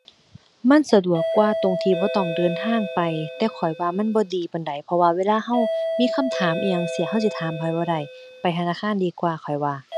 มันสะดวกกว่าตรงที่บ่ต้องเดินทางไป แต่ข้อยว่ามันบ่ดีปานใด เพราะว่าเวลาเรามีคำถามอิหยังจั่งซี้เราสิถามไผบ่ได้ ไปธนาคารดีกว่าข้อยว่า